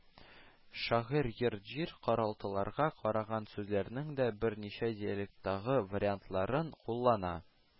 Шагыйрь йорт-җир, каралтыларга караган сүзләрнең дә берничә диалекттагы вариантларын куллана